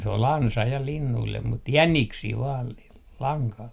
se oli ansa ja linnuille mutta jäniksiä vain - langalla